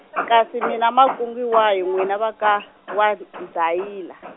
kasi mi na makungu wahi n'wina va ka, waDayila?